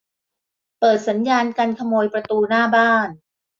เปิดสัญญาณกันขโมยประตูหน้าบ้าน